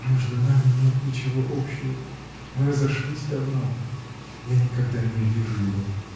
— Между нами нет ничего общего. Мы разошлись давно. Я никогда не увижу его.